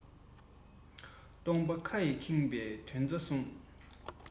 རང དོན སྒྲིག པའི ཇུས ཆ ཤོད ཀྱིན སོང